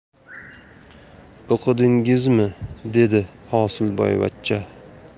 o'qidingizmi dedi hosilboyvachcha